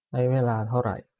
ใช้เวลาเท่าไหร่